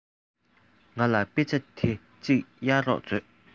ང ལ དཔེ ཆ འདི གཅིག གཡར རོགས མཛོད